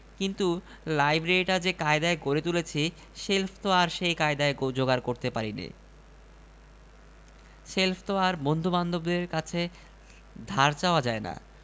এই আমি কছম কাটিলাম এখন হইতে আর যদি তোমার গায়ে হাত তুলি তখন যাহা হয় করিও